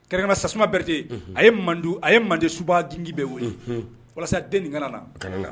Kɛrɛnma sasuma berete a ye mande a ye mande suba digin bɛɛ wele walasa den nin kana na